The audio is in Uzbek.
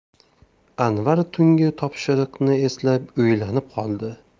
anvar tungi topshiriqni eslab o'ylanib qoldi